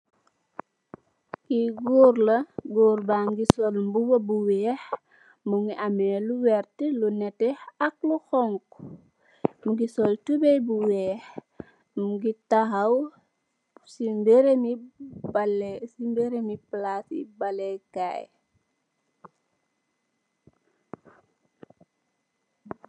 Li goor la goor bangi sol mbuba bu weex mongi amex lu werta lu neteh ak lu xonxu mongi sol tubai bu weex mongi taxaw si berembi palaci foobaal le kai.